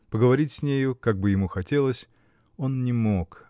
Поговорить с нею, как бы ему хотелось, он не мог